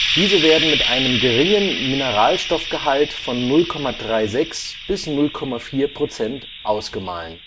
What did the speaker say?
Diese werden mit einem geringen Mineralstoffgehalt von 0,36 bis 0,4 % ausgemahlen